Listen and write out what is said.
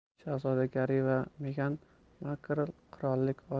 shahzoda garri va megan markl qirollik